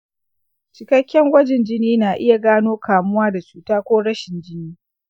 cikakken gwajin jini na iya gano kamuwa da cuta ko rashin jini.